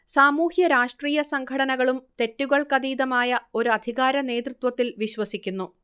സാമൂഹ്യരാഷ്ട്രീയ സംഘടനകളും തെറ്റുകൾക്കതീതമായ ഒരധികാരനേതൃത്വത്തിൽ വിശ്വസിക്കുന്നു